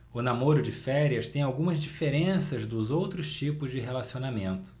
o namoro de férias tem algumas diferenças dos outros tipos de relacionamento